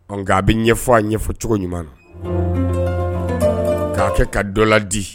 Ɔ nka a bɛ ɲɛ ɲɛfɔ a ɲɛfɔ cogo ɲuman na k'a kɛ ka dɔ la di